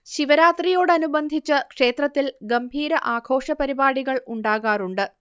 ശിവരാത്രിയോടനുബന്ധിച്ച് ക്ഷേത്രത്തിൽ ഗംഭീര ആഘോഷപരിപാടികൾ ഉണ്ടാകാറുണ്ട്